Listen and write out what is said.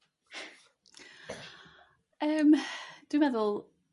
Yrm dwi meddwl